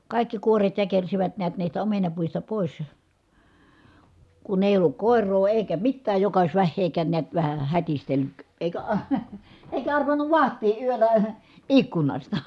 kaikki kuoret jäkersivät näet niistä omenapuista pois kun ei ollut koiraa eikä mitään joka olisi vähääkään näet vähän hätistellyt eikä - eikä arvannut vahtia yöllä ikkunasta